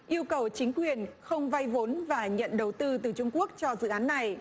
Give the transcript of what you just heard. yêu cầu chính quyền không vay vốn và nhận đầu tư từ trung quốc cho dự án này